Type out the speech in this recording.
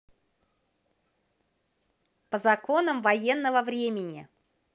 по законам военного времени